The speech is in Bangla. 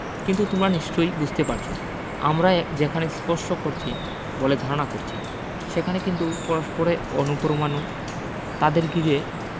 কিন্তু তোমরা নিশ্চয়ই বুঝতে পারছ আমরা যেখানে স্পর্শ করছি বলে ধারণা করছি সেখানে কিন্তু পরস্পরে অণুপরমাণু তাদের ঘিরে